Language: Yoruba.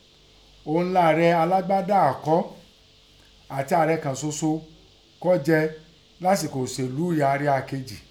Òun lààrẹ alágbádá àọ́kọ́ àti ààrẹ kàn soso kọ́ jẹ lásìkò ètò òṣèlú ìhaaaria kejì.